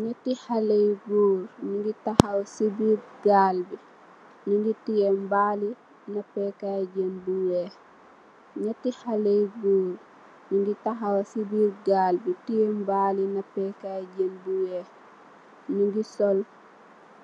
Neeti xale yu goor nyugi taxaw si birr gaal bi nyu gi teyeh mbali napekai jeen bu weex neeti xale yu goor nyugi taxaw si birr gaal bi teyeh mbali napekai jeen bu weex nyugi sol